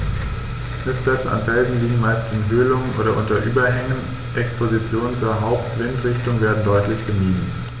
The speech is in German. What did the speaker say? Nistplätze an Felsen liegen meist in Höhlungen oder unter Überhängen, Expositionen zur Hauptwindrichtung werden deutlich gemieden.